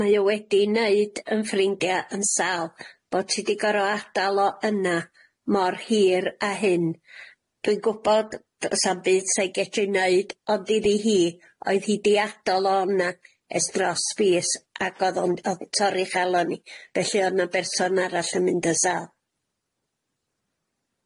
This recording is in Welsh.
mae o wedi neud yn ffrindia yn sâl bod hi di goro adal o yna, mor hir â hyn, dwi'n gwbod do's na'm byd sai'n gedru neud ond iddi hi oedd hi di adal o yna ers dros fis ag o'dd o'n o'dd torri chalon hi felly o'dd 'na berson arall yn mynd yn sâl.